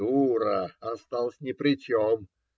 - Дура, осталась ни при чем.